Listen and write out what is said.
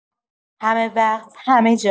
همه وقت، همه‌جا!